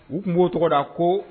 U kun b'o tɔgɔ da ko